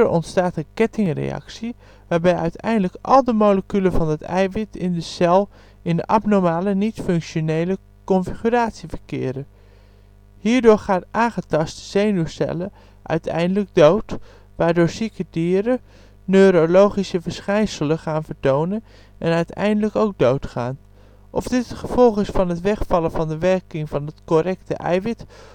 ontstaat een kettingreactie waarbij uiteindelijk al de moleculen van dat eiwit in de cel in de abnormale, niet-functionele configuratie verkeren. Hierdoor gaan aangetaste zenuwcellen uiteindelijk dood, waardoor zieke dieren neurologische verschijnselen gaan vertonen en uiteindelijk ook doodgaan. Of dit het gevolg is van het wegvallen van de werking van het correcte eiwit